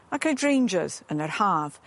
ac hydrangeas yn yr Haf.